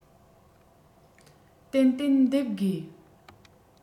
ཏན ཏན འདེབས དགོས